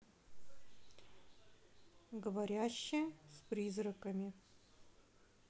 говорящая с призраками